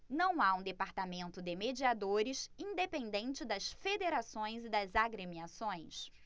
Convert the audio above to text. não há um departamento de mediadores independente das federações e das agremiações